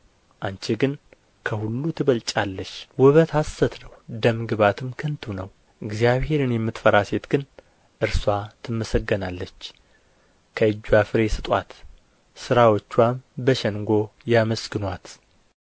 አንቺ ግን ከሁሉ ትበልጫለሽ ውበት ሐሰት ነው ደም ግባትም ከንቱ ነው እግዚአብሔርን የምትፈራ ሴት ግን እርስዋ ትመሰገናለች ከእጅዋ ፍሬ ስጡአት ሥራዎችዋም በሸንጎ ያመስግኑአት